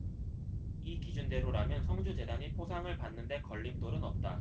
이 기준대로라면 성주재단이 포상을 받는 데 걸림돌은 없다